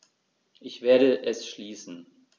Ich werde es schließen.